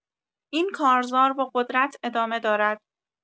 این کارزار با قدرت ادامه دارد.